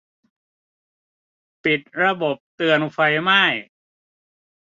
ปิดระบบเตือนไฟไหม้